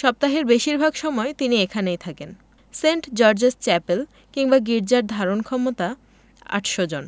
সপ্তাহের বেশির ভাগ সময় তিনি এখানেই থাকেন সেন্ট জর্জেস চ্যাপেল বা গির্জার ধারণক্ষমতা ৮০০ জন